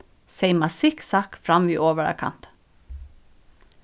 seyma sikksakk fram við ovara kanti